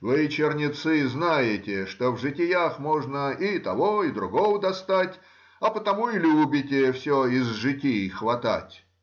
Вы, чернецы, знаете, что в житиях можно и того и другого достать, и потому и любите все из житий хватать.